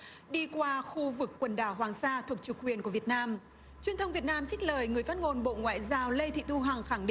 đi qua khu vực quần đảo hoàng sa thuộc chủ quyền của việt nam chuyến thông việt nam trích lời người phát ngôn bộ ngoại giao lê thị thu hằng khẳng